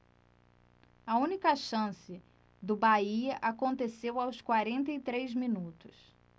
a única chance do bahia aconteceu aos quarenta e três minutos